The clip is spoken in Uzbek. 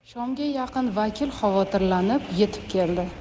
shomga yaqin vakil xavotirlanib yetib keldi